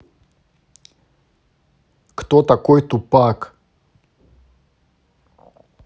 кто такой тупак